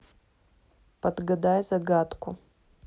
подгадай загадку